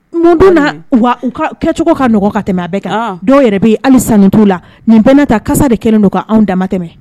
Mun dun na wa u ka kɛcogo ka nɔgɔ ka tɛmɛ a bɛɛ kan ahan dɔw yɛrɛ bɛ yen hali sanni t'o la nin bɛɛ n'a ta kasa de kelen don ka anw dama tɛmɛ